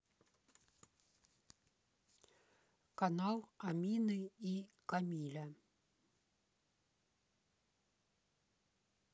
канал амины и камиля